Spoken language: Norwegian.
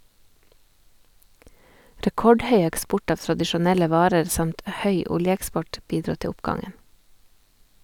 Rekordhøy eksport av tradisjonelle varer samt høy oljeeksport bidro til oppgangen.